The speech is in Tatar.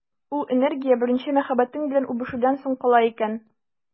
Ул энергия беренче мәхәббәтең белән үбешүдән соң кала икән.